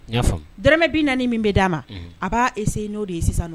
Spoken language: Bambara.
Dmɛ bin naani min bɛ d dia ma a b'a ese n'o de ye sisan n